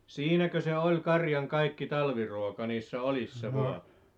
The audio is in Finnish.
siinäkö se oli karjan kaikki talviruoka niissä oljissa vain